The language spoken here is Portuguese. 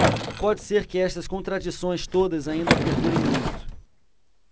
pode ser que estas contradições todas ainda perdurem muito